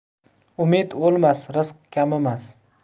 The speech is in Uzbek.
umid o'lmas rizq kamimas